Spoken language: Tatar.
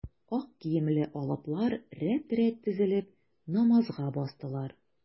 Ак киемле алыплар рәт-рәт тезелеп, намазга бастылар.